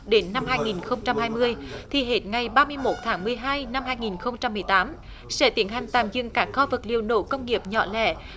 đến năm hai nghìn không trăm hai mươi thì hết ngày ba mươi mốt tháng mười hai năm hai nghìn không trăm mười tám sẽ tiến hành tạm dừng cảng kho vật liệu nổ công nghiệp nhỏ lẻ